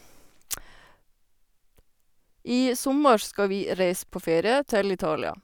I sommer skal vi reise på ferie til Italia.